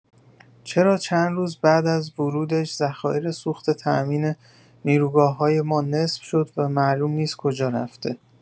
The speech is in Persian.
چرا چند روز بعد از ورودش ذخایر سوخت تامین نیروگاه‌های ما نصف شد و معلوم نیست کجا رفته؟